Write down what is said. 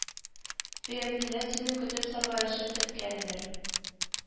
Өянкеләр сине көтеп саргаешып беткәндер